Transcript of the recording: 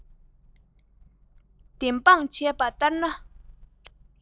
བདེན དཔང བྱས པ ལྟར ན